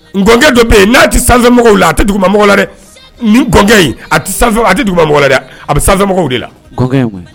N gɔnkɛ dɔ bɛ yen n'a tɛ sanfɛmɔgɔw la a tɛ dugumamɔgɔw la dɛ , a tɛ a tɛ dugumamɔgɔw la dɛ, a bɛ sanfɛmɔgɔw de la!